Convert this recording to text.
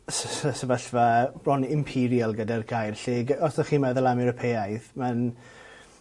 sy- sy- sefyllfa bron Imperial gyda'r gair lle gy- os o'ch chi'n meddwl am Ewropeaidd ma'n